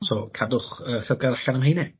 So cadwch yy llygad allan am heine.